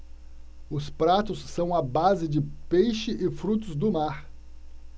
os pratos são à base de peixe e frutos do mar